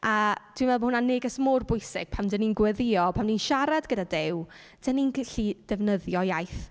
A dwi'n meddwl bo' hwnna'n neges mor bwysig pan dan ni'n gweddïo. Pan ni'n siarad gyda Duw, dan ni'n gallu defnyddio iaith...